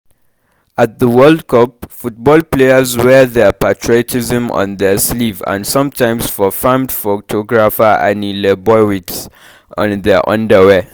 At the World Cup, football players wear their patriotism on their sleeve and sometimes, for famed photographer Annie Leibowitz, on their underwear.